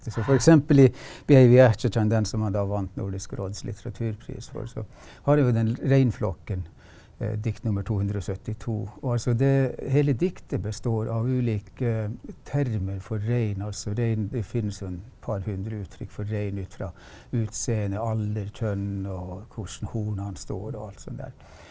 som f.eks. i Beaivi, ahcazan den som han da vant Nordisk råds litteraturpris for så har du jo den reinflokken dikt nummer tohundreogsyttito og altså det hele diktet består av ulike termer for rein altså rein det fins jo en par 100 uttrykk for rein ut fra utseende, alder, kjønn og hvordan hornene står og alt sånn der.